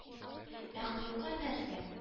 Ә колынга нәрсә